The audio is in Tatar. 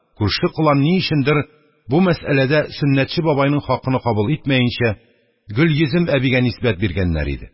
Күрше-колан ни өчендер бу мәсьәләдә, сөннәтче бабайның хакыны кабул итмәенчә, гөлйөзем әбигә нисбәт биргәннәр иде.